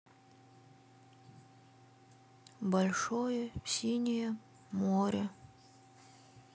большое синее море